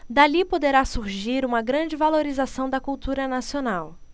dali poderá surgir uma grande valorização da cultura nacional